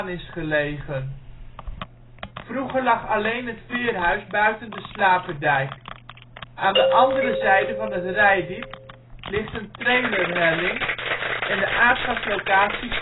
is gelegen; vroeger lag alleen het veerhuis buiten de slaperdijk. Aan de andere zijde van het Reitdiep ligt een trailerhelling en de aardgaslocatie